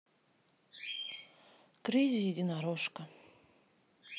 крейзи единорожка